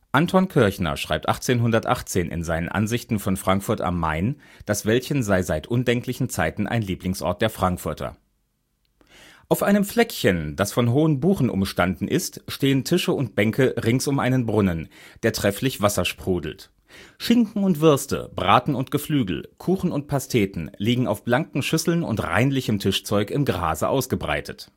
Anton Kirchner schreibt 1818 in seinen Ansichten von Frankfurt am Mayn, das Wäldchen sei seit undenklichen Zeiten ein Lieblingsort der Frankfurter. „ Auf einem Fleckchen, das von hohen Buchen umstanden ist, stehen Tische und Bänke rings um einen Brunnen, der trefflich Wasser sprudelt... Schinken und Würste, Braten und Geflügel, Kuchen und Pasteten, liegen auf blanken Schüsseln und reinlichem Tischzeug im Grase ausgebreitet